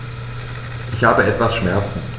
Ich habe etwas Schmerzen.